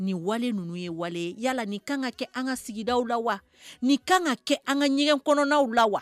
Nin wale ninnu ye wale yalala ni ka kan ka kɛ an ka sigida la wa ni kan ka kɛ an ka ɲɛgɛn kɔnɔnw la wa